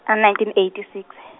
-a nineteen eighty six.